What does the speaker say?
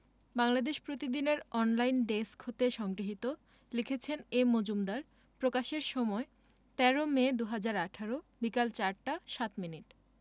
বাংলাদেশ প্রতিদিন এর online desk হতে সংগৃহীত লিখেছেনঃ এ মজুমদার প্রকাশের সময় ১৩মে ২০১৮ বিকেল ৪ টা ০৭ মিনিট